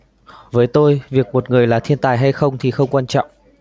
với tôi việc một người là thiên tài hay không thì không quan trọng